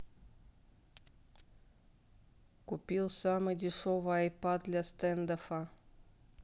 купил самый дешевый айпад для стэндоффа